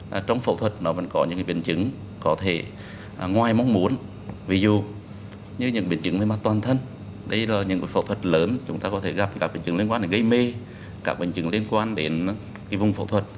trong phẫu thuật nó vẫn có những biến chứng có thể ngoài mong muốn ví dụ như những biến chứng về mặt toàn thân đây là những cuộc phẫu thuật lớn chúng ta có thể gặp các biến chứng liên quan gây mê các biến chứng liên quan đến vùng phẫu thuật